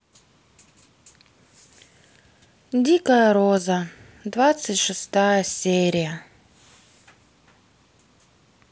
дикая роза двадцать шестая серия